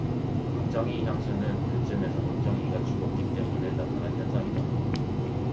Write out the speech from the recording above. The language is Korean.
박정희 향수는 그쯤에서 박정희가 죽었기 때문에 나타난 현상이다